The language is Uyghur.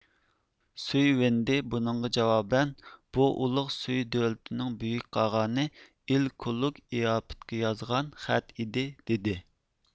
سۈي ۋېندى بۇنىڭغا جاۋابەن بۇ ئۇلۇغ سۈي دۆلىتىنىڭ بۈيۈك قاغانى ئېل كۇلۇگ ئىئاپېتقا يازغان خەت ئىدى دىدى